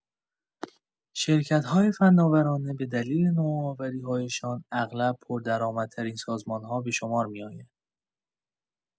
شرکت‌های فناورانه به دلیل نوآوری‌هایشان اغلب پردرآمدترین سازمان‌ها به شمار می‌آیند.